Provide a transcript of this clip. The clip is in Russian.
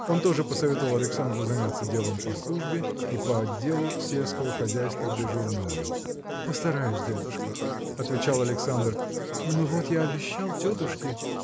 Он тоже посоветовал Александру заняться делом по службе и по отделу сельского хозяйства для журнала. – Постараюсь дядюшка – отвечал Александр – но вот я обещал тетушке.